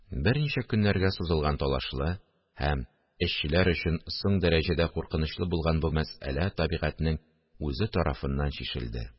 Берничә көннәргә сузылган талашлы һәм эшчеләр өчен соң дәрәҗәдә куркынычлы булган бу мәсьәлә табигатьнең үзе тарафыннан чишелде